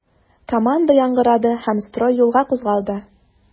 Команда яңгырады һәм строй юлга кузгалды.